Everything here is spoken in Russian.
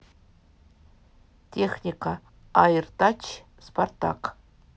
техника аиртач спартак